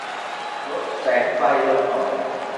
ลดแสงไฟลงหน่อย